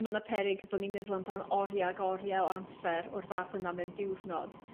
ma' 'na peryg bo' ni'n meddwl amdan orie ag orie o amser o'r fath yna mewn diwrnod